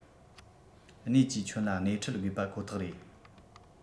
གནས ཀྱིས ཁྱོན ལ སྣེ ཁྲིད དགོས པ ཁོ ཐག རེད